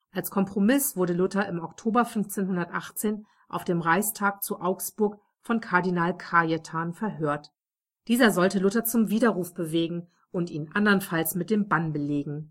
Als Kompromiss wurde Luther im Oktober 1518 auf dem Reichstag zu Augsburg von Kardinal Cajetan verhört. Dieser sollte Luther zum Widerruf bewegen oder ihn andernfalls mit dem Bann belegen